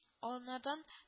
Анардан